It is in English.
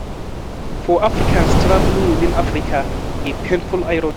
For Africans traveling within Africa: A painful irony